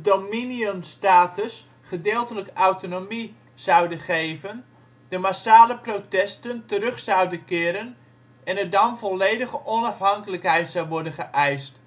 dominion "- status (gedeeltelijke autonomie) zouden geven, de massale protesten terug zouden keren en er dan volledige onafhankelijkheid zou worden geëist.